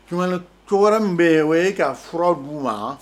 Tuma to wɛrɛ min bɛ yen o ye ka fura du ma